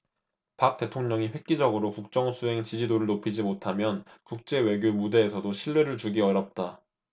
박 대통령이 획기적으로 국정수행지지도를 높이지 못하면 국제 외교 무대에서도 신뢰를 주기 어렵다